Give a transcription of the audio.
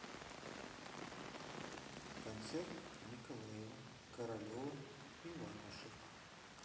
концерт николаева королева иванушек